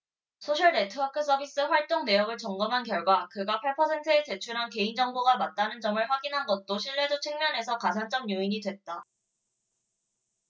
소셜네트워크서비스 활동내역을 점검한 결과 그가 팔 퍼센트에 제출한 개인정보가 맞다는 점을 확인한 것도 신뢰도 측면에서 가산점 요인이 됐다